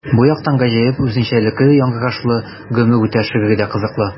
Бу яктан гаҗәеп үзенчәлекле яңгырашлы “Гомер үтә” шигыре дә кызыклы.